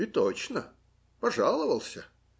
И точно пожаловался.